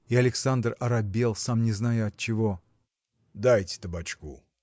И Александр оробел, сам не зная отчего. – Дайте табачку!